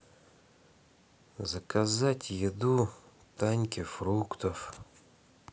заказать еду таньке фруктов